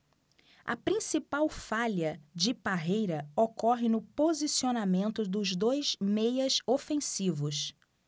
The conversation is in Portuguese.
a principal falha de parreira ocorre no posicionamento dos dois meias ofensivos